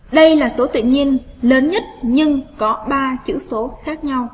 đây là số tự nhiên lớn nhất nhưng có chữ số khác nhau